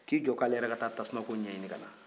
k'i jɔ ko ale ka taa tasuma ko ɲɛɲinin